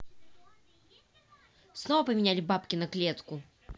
снова поменяли бабки на клетку